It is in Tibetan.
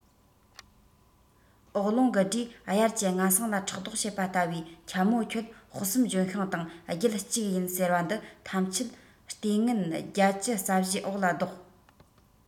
འོག རླུང གི སྒྲས དབྱར གྱི རྔ བསངས ལ ཕྲག དོག བྱེད པ ལྟ བུའི འཁྱམས མོ ཁྱོད དཔག བསམ ལྗོན ཤིང དང རྒྱུད གཅིག ཡིན ཟེར བ འདི ཐམས ཅད ལྟས ངན བརྒྱད ཅུ རྩ བཞིའི འོག ལ བཟློག